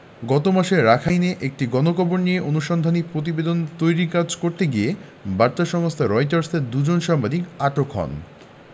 গত মাসে রাখাইনে একটি গণকবর নিয়ে অনুসন্ধানী প্রতিবেদন তৈরির কাজ করতে গিয়ে বার্তা সংস্থা রয়টার্সের দুজন সাংবাদিক আটক হন